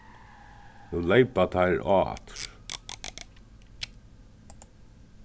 nú leypa teir á aftur